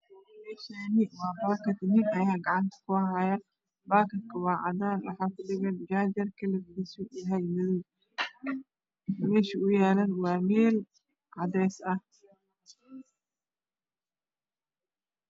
Me Shani wa bakad wiil aya gacanta kuhayo baakadka wa cadan waxa ku dhegan jajar kalar kisu uyahay madow me sha uyalana waa mel cades ah